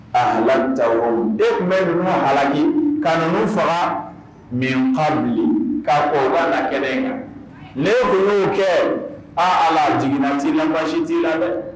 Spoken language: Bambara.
A e tun bɛ kuma haliki ka n fara minfa k'a ko b'a la kɛnɛ kan ne tun kɛ aa ala jiginna t' la baasi sin t'i la dɛ